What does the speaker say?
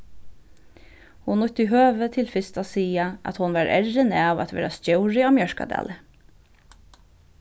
hon nýtti høvið til fyrst at siga at hon var errin av at vera stjóri á mjørkadali